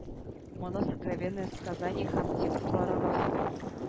Моны сокровенное сказание һәм текстлары раслый